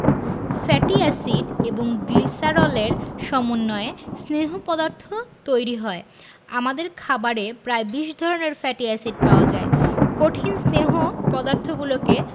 fatty acid এবং গ্লিসারলের সমন্বয়ে স্নেহ পদার্থ তৈরি হয় আমাদের খাবারে প্রায় ২০ ধরনের ফ্যাটি এসিড পাওয়া যায় কঠিন স্নেহ পদার্থগুলোকে